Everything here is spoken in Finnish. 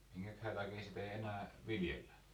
minkähän takia sitä ei enää viljellä